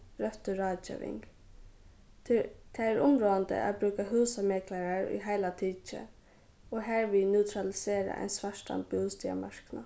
røttu ráðgeving tað er tað er umráðandi at brúka húsameklarar í heila tikið og harvið neutralisera ein svartan bústaðarmarknað